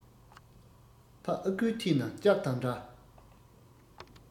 ཕ ཨ ཁུའི ཐད ན ལྕགས དང འདྲ